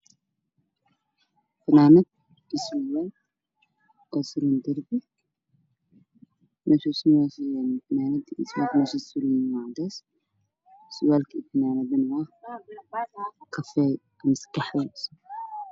Funaanad sarway waxay sugan yihiin darbi sha ay sary yihiin waa caddoon ka ayagana waa qarax wey ama kufee